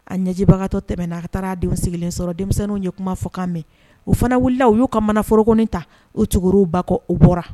A ɲɛjibagatɔ tɛmɛna ,,a ka taala sɔrɔ denmisɛw sigilen sɔrɔ, denmisɛnninw ye kuma fɔkan mɛn, u fana wulila o y'u ka mana forokonin ta u tugur(u ba kɔ , u bɔra.